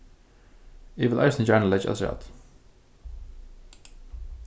eg vil eisini gjarna leggja afturat